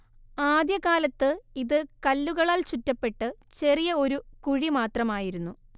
ആദ്യ കാലത്ത് ഇത് കല്ലുകളാൽ ചുറ്റപ്പെട്ട് ചെറിയ ഒരു കുഴി മാത്രമായിരുന്നു